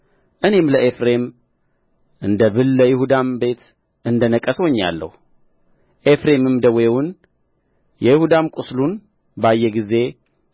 እኔም ለኤፍሬም እንደ ብል ለይሁዳም ቤት እንደ ነቀዝ ሆኜአለሁ ኤፍሬምም ደዌውን ይሁዳም ቍስሉን ባየ ጊዜ